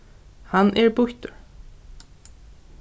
hann er býttur